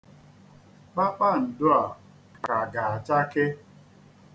Kpakpando a ka ga-achake.